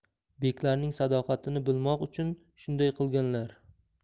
beklarning sadoqatini bilmoq uchun shunday qilganlar